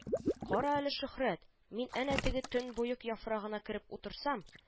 – кара әле, шөһрәт, мин әнә теге төнбоек яфрагына кереп утырсам